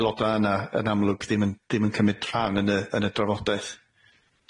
aeloda' yna yn amlwg ddim yn ddim yn cymryd rhan yn y yn y drafodaeth.